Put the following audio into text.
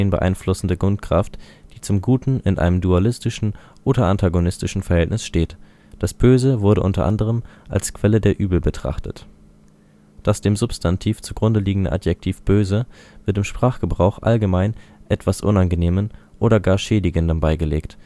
beeinflussende Grundkraft, die zum Guten in einem dualistischen oder antagonistischen Verhältnis steht; das Böse wurde u. a. als Quelle der Übel betrachtet. Das dem Substantiv zugrunde liegende Adjektiv „ böse “wird im Sprachgebrauch allgemein etwas Unangenehmen oder sogar Schädigendem beigelegt